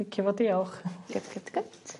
Licio fo diolch. Good good good.